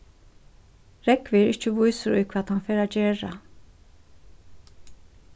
rógvi er ikki vísur í hvat hann fer at gera